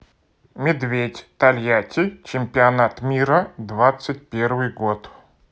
медведь тольятти чемпионат мира двадцать первый год